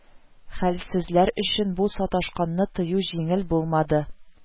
Хәлсезләр өчен бу саташканны тыю җиңел булмады